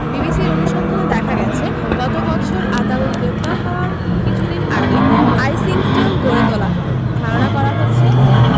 বিবিসির অনুসন্ধানে দেখা গেছে গত বছর আতাউল গ্রেপ্তার হওয়ার কিছুদিন আগে আইসিংকটেল গড়ে তোলা হয় ধারণা করা হচ্ছে